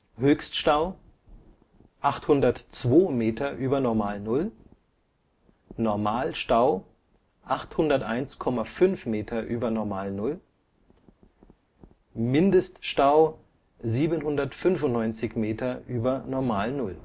Höchststau: 802 m ü. NN Normalstau: 801,5 m ü. NN Mindeststau: 795 m ü. NN